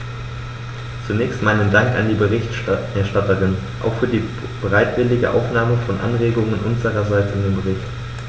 Zunächst meinen Dank an die Berichterstatterin, auch für die bereitwillige Aufnahme von Anregungen unsererseits in den Bericht.